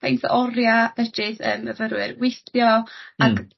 faint o oria fedrith y myfyrwyr weithio ag